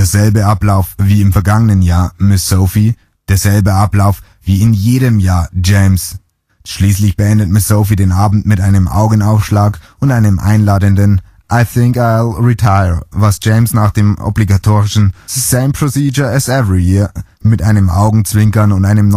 selbe Ablauf wie im vergangenen Jahr, Miss Sophie? “–„ Der selbe Ablauf wie in jedem Jahr, James. “mit Betonung auf „ jedem “.) Schließlich beendet Miss Sophie den Abend mit einem Augenaufschlag und einem einladenden “I think I'll retire”, was James nach dem obligatorischen “The same procedure as last year? – The same procedure as every year.” mit einem Augenzwinkern und einem nonchalanten